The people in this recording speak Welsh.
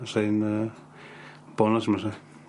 bysa 'i'n yy bonws yn fysa?